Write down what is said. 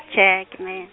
tjhe, ha ke na yen-.